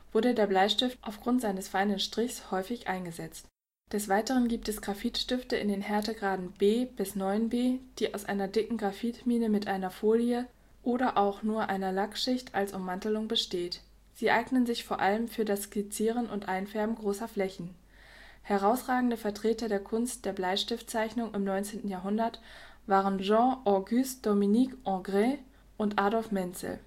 wurde der Bleistift aufgrund seines feinen Strichs häufig eingesetzt. Des Weiteren gibt es Graphitstifte in den Härtegraden B bis 9B, die aus einer dicken Graphitmine mit einer Folie oder auch nur einer Lackschicht als Ummantelung besteht. Sie eignen sich vor allem für das Skizzieren und Einfärben großer Flächen. Herausragende Vertreter der Kunst der Bleistiftzeichnung im 19. Jahrhundert waren Jean-Auguste-Dominique Ingres und Adolph Menzel